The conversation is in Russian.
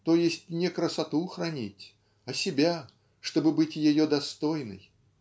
То есть не красоту хранить, а себя, чтобы быть ее достойной".